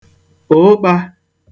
ụ̀ụkpā